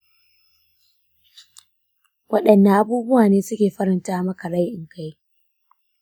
waɗanne abubuwa ne suke faranta maka rai in ka yi?